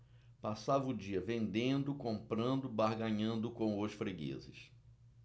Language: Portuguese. passava o dia vendendo comprando barganhando com os fregueses